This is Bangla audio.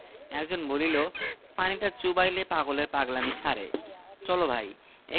সে চোখ গরম করিয়া বলিল সেই শোলমাছ